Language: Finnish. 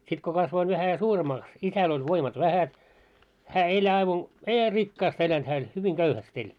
sitten kun kasvoin vähän suuremmaksi isällä oli voimat vähät hän ei aivan ei hän rikkaasti elänyt hän eli hyvin köyhästi eli